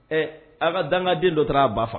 Ɛ a ka danga den dɔ taara a ba faga.